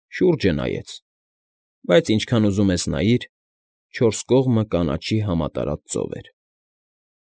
Շուրջը նայեց, բայց ինչքան ուզում ես նայիր՝ չորս կողմը կանաչի համատարած ծով էր։